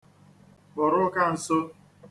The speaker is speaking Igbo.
kpụrụka nso